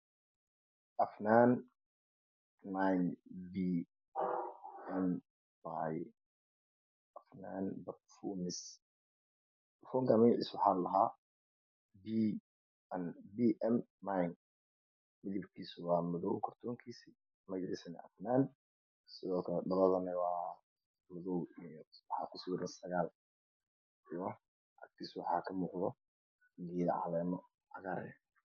baxnan may bii em may baxnan bar funis barfunkan magacisa waxala dhahaa bii em ney me Deb kisu wa mado kartonkisa magacisana wacadan sidokale dhaladana wa madow waxakusawiran sagaal iyo ag tisa waxaakamuqdo geedo calemo cagar eh